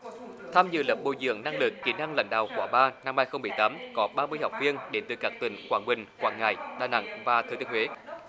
tham dự lớp bồi dưỡng năng lực kĩ năng lãnh đạo khóa ba năm hai không mười tám có ba mươi học viên đến từ các tỉnh quảng bình quảng ngãi đà nẵng và thừa thiên huế